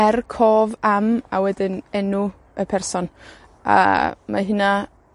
Er cof am a wedyn enw y person, a mae hynna